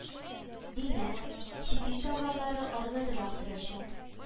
Димәк, чит ил товарлары арзанрак торачак